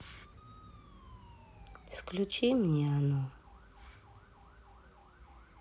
включи мне оно